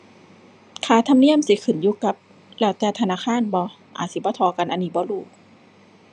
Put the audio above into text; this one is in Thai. ค่าธรรมเนียมสิขึ้นอยู่กับแล้วแต่ธนาคารบ่ อาจสิบ่เท่ากัน อันนี้บ่รู้